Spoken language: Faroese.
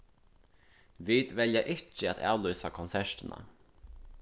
vit velja ikki at avlýsa konsertina